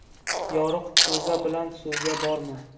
yoriq ko'za bilan suvga borma